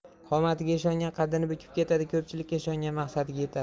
qomatiga ishongan qaddini bukib ketadi ko'pchilikka ishongan maqsadiga yetadi